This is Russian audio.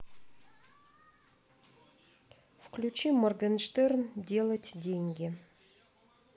включи моргенштерн делать деньги